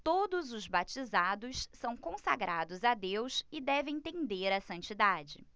todos os batizados são consagrados a deus e devem tender à santidade